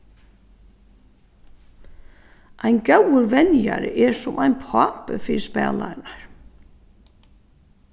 ein góður venjari er sum ein pápi fyri spælararnar